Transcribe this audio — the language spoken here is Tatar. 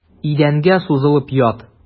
Идәнгә сузылып ят.